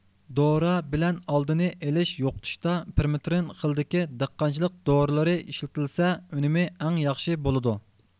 دورا بىلەن ئالدىنى ئېلىش يوقىتىشتا پىرمېترىن خىلىدىكى دېھقانچىلىق دورىلىرى ئىشلىتىلسە ئۈنۈمى ئەڭ ياخشى بولىدۇ